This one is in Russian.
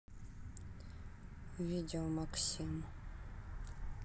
видео максим